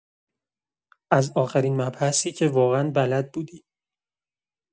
از آخرین مبحثی که واقعا بلد بودی.